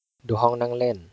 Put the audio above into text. ดูห้องนั่งเล่น